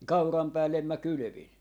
kauran päälle minä kylvin